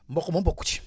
mboq moom bokku ci